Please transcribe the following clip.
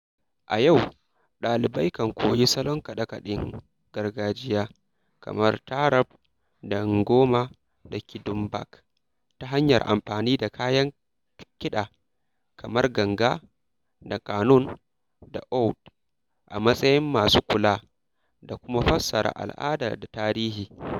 A yau, ɗalibai kan koyi salon kaɗe-kaɗen gargajiya kamar taarab da ngoma da kidumbak, ta hanyar amfani da kayan kiɗa kamar ganga da ƙanun da 'oud' a matsayin masu kula - da kuma fassara - al'ada da tarihi.